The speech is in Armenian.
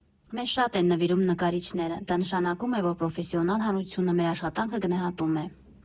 Մեզ շատ են նվիրում նկարիչները, դա նշանակում է, որ պրոֆեսիոնալ հանրությունը մեր աշխատանքը գնահատում է։